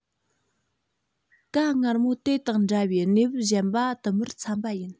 ཀྭ མངར མོ དང དེ དང འདྲ བའི གནས བབ གཞན པ དུ མར འཚམ པ ཡིན